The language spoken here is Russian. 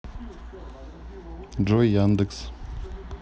джой яндекс